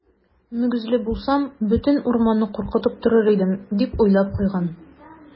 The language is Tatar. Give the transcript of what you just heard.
Мөгезле булсам, бөтен урманны куркытып торыр идем, - дип уйлап куйган.